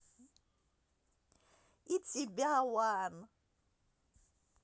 и тебя one